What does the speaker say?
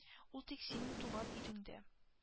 Ул тик синең туган иреңдә